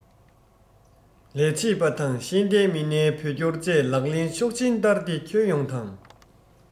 ལས བྱེད པ དང ཤེས ལྡན མི སྣའི བོད སྐྱོར བཅས ལག ལེན ཤུགས ཆེན བསྟར ཏེ ཁྱོན ཡོངས དང